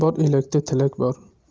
bor elakda tilak bor